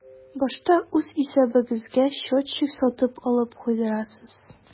Башта үз исәбегезгә счетчик сатып алып куйдырасыз.